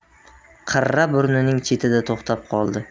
qirra burnining chetida to'xtab qoldi